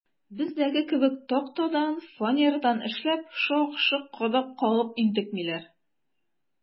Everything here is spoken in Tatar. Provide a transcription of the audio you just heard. Бездәге кебек тактадан, фанерадан эшләп, шак-шок кадак кагып интекмиләр.